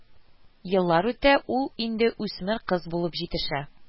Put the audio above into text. Еллар үтә, ул инде үсмер кыз булып җитешә